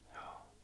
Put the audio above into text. joo